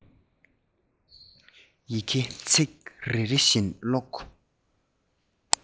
ཡི གེ ཚིག རེ རེ བཞིན ཀློག